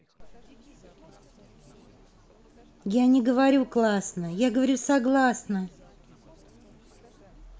я не говорю классно я говорю согласна